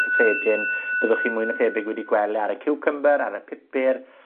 cyffredin, byddwch chi'n mwy na thebyg wedi gwel' e ar y ciwcymbyr, ar y pupur,